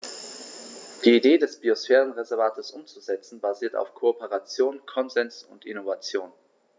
Die Idee des Biosphärenreservates umzusetzen, basiert auf Kooperation, Konsens und Innovation.